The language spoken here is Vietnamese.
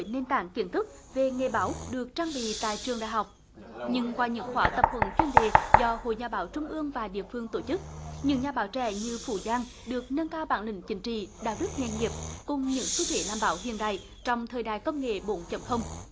nền tảng kiến thức về nghề báo được trang bị tại trường đại học nhưng qua những khóa tập huấn chuyên đề do hội nhà báo trung ương và địa phương tổ chức những nhà báo trẻ như phủ giang được nâng cao bản lĩnh chính trị đạo đức nghề nghiệp cùng những xu thế làm báo hiện đại trong thời đại công nghệ bốn chấm không